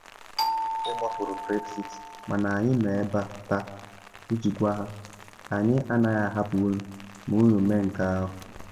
‘Ha na anwa ịgbarapụ Brexit mana anyị nọ ebe a taa iji gwa ha ‘anyị agaghị ahapụ unu ma unu mee nke ahụ’.’